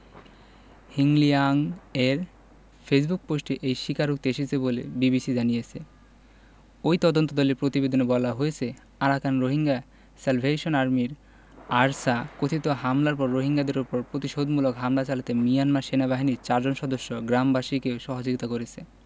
হ্লিয়াংয়ের ফেসবুক পোস্টে এই স্বীকারোক্তি এসেছে বলে বিবিসি জানিয়েছে ওই তদন্তদলের প্রতিবেদনে বলা হয়েছে আরাকান রোহিঙ্গা স্যালভেশন আর্মির আরসা কথিত হামলার পর রোহিঙ্গাদের ওপর প্রতিশোধমূলক হামলা চালাতে মিয়ানমার সেনাবাহিনীর চারজন সদস্য গ্রামবাসীকে সহযোগিতা করেছে